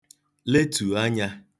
letù anyā